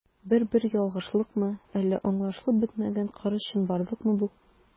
Бер-бер ялгышлыкмы, әллә аңлашылып бетмәгән кырыс чынбарлыкмы бу?